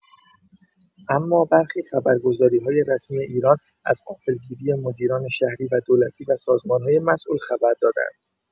اما برخی خبرگزاری‌های رسمی ایران از غافلگیری مدیران شهری و دولتی و سازمان‌های مسئول خبر دادند.